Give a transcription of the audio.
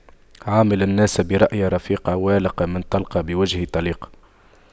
عامل الناس برأي رفيق والق من تلقى بوجه طليق